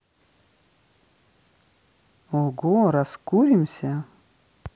ого раскуримся